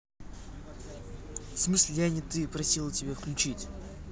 в смысле я не ты просила тебе включить